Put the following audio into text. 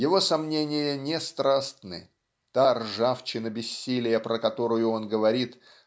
Его сомнения не страстны. Та "ржавчина бессилия" про которую он говорит